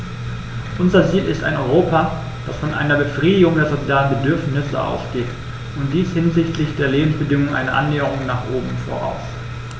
Unser Ziel ist ein Europa, das von einer Befriedigung der sozialen Bedürfnisse ausgeht, und dies setzt hinsichtlich der Lebensbedingungen eine Annäherung nach oben voraus.